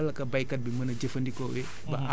naka la ko béykat bi mën a jëfandikoowee